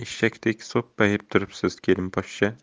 eshakdek so'ppayib turibsiz kelinposhsha